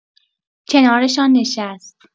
کنارشان نشست.